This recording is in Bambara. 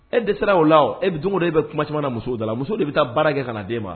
E dɛsɛra o la o, e bɛ don o don e bɛ kuma caman na musow da la musow de bɛ taa baara kɛ ka na d'e ma